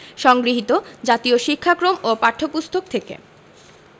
সংগৃহীত জাতীয় শিক্ষাক্রম ও পাঠ্যপুস্তক থেকে